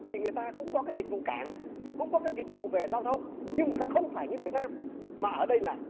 vì người ta cũng có cái dịch vụ cảng cũng có các dịch vụ về giao thông nhưng người ta không phải như việt nam mà ở đây là